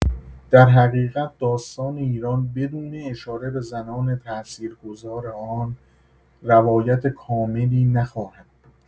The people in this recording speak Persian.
در حقیقت داستان ایران بدون اشاره به زنان تاثیرگذار آن روایت کاملی نخواهد بود.